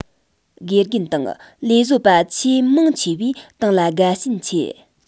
དགེ རྒན དང ལས བཟོ པ ཆེས མང ཆེ བས ཏང ལ དགའ ཞེན ཆེ